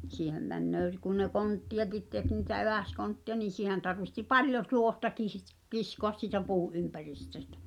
siihen menee - kun ne konttejakin teki niitä eväskontteja niin siihen tarvitsi paljon tuohta - kiskoa siitä puun ympäristöstä